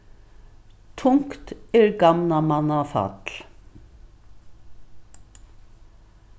tungt er gamla manna fall